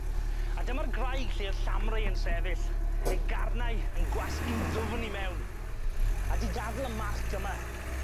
A dyma'r graig lle o'dd Llamrei yn sefyll, ei garnau yn gwasgu'n ddwfn i mewn a 'di gadl y marc yma.